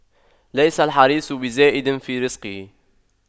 ليس الحريص بزائد في رزقه